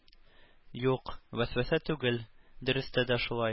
Юк, вәсвәсә түгел, дөрестә дә шулай.